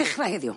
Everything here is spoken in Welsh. Dechra heddiw.